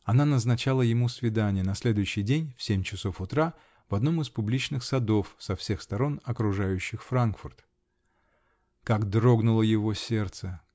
Она назначала ему свидание -- на следующий день, в семь часов утра, в одном из публичных садов, со всех сторон окружающих Франкфурт. Как дрогнуло его сердце!